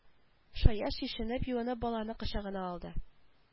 Шаяз чишенеп юынып баланы кочагына алды